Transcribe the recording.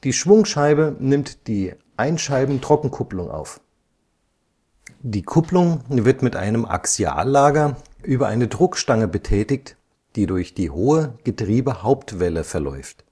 Schwungscheibe nimmt die Einscheibentrockenkupplung auf. Die Kupplung wird mit einem Axiallager über eine Druckstange betätigt, die durch die hohle Getriebehauptwelle verläuft